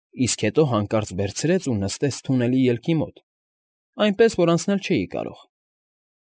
Իսկ հետո հանկարծ վերցրեց ու նստեց թունելի ելքի մոտ, այնպես որ անցնել չէի կարող։